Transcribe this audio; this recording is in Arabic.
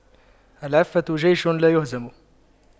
العفة جيش لايهزم